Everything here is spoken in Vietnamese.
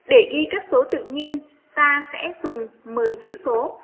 để ghi các số tự nhiên ta sẽ dùng chữ số